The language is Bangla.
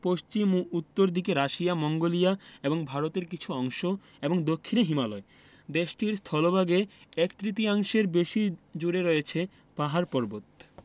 পশ্চিম ও উত্তর দিকে রাশিয়া মঙ্গোলিয়া এবং ভারতের কিছু অংশ এবং দক্ষিনে হিমালয় দেশটির স্থলভাগে এক তৃতীয়াংশের বেশি জুড়ে রয়ছে পাহাড় পর্বত